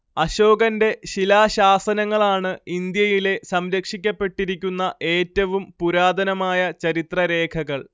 അശോകന്റെ ശിലാശാസനങ്ങളാണ്‌ ഇന്ത്യയിലെ സംരക്ഷിക്കപ്പെട്ടിരിക്കുന്ന ഏറ്റവും പുരാതനമായ ചരിത്രരേഖകൾ